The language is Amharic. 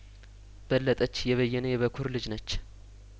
በለጠች የበየነ የበኩር ልጅነች